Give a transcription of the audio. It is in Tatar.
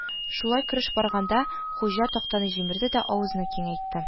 Шулай көрәш барганда, хуҗа тактаны җимерде дә, авызны киңәйтте